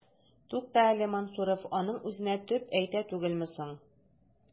Тукта әле, Мансуров аның үзенә төбәп әйтә түгелме соң? ..